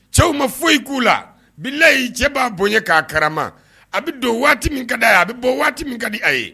Cɛw ma foyi k'u la bi layi cɛ b'a bonya k'a karama a bɛ don waati min ka di a ye a bɛ bɔ waati min ka di a ye